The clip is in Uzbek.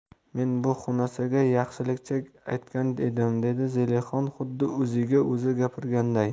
men bu xunasaga yaxshilikcha aytgan edim dedi zelixon xuddi o'ziga o'zi gapirganday